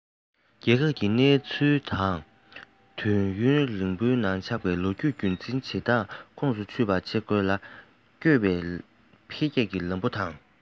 རྒྱལ ཁབ ཀྱི གནས ཚུལ དང དུས ཡུན རིང པོའི ནང ཆགས པའི ལོ རྒྱུས རྒྱུན འཛིན བྱེད སྟངས ཁོང དུ ཆུད པ བྱེད དགོས ལ བསྐྱོད པའི འཕེལ རྒྱས ཀྱི ལམ བུ དང